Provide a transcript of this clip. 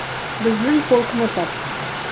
Безнең полкны тап...